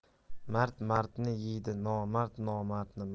mard mardni deydi nomard nomardni